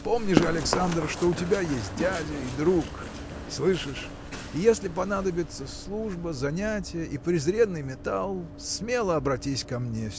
Помни же, Александр, что у тебя есть дядя и друг – слышишь? и если понадобятся служба занятия и презренный металл смело обратись ко мне